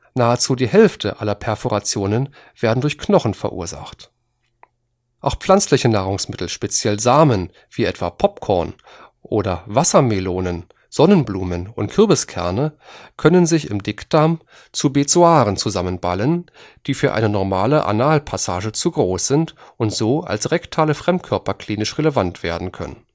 Nahezu die Hälfte aller Perforationen werden durch Knochen verursacht. Auch pflanzliche Nahrungsmittel, speziell Samen wie etwa Popcorn oder auch Wassermelonen -, Sonnenblumen - und Kürbiskerne können sich im Dickdarm zu Bezoaren zusammenballen, die für eine normale Analpassage zu groß sind und so als rektale Fremdkörper klinisch relevant werden können